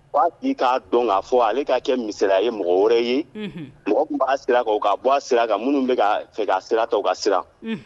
Fɔ a tii k'a dɔn k'a fɔ ale ka kɛ misaliya ye mɔgɔ wɛrɛ ye unhun mɔgɔ mun b'a sira kan o ka bɔ a sira kan minnu bɛ kaa fɛ k'a sira ta u ka siran unhun